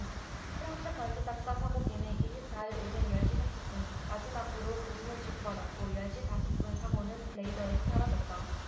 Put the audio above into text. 프랑스 관제탑과 사고기는 이십 사 일 오전 열 시 삼십 분 마지막으로 교신을 주고받았고 열 시 사십 분 사고기는 레이더에서 사라졌다